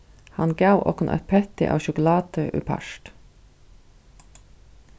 hann gav okkum eitt petti av sjokulátu í part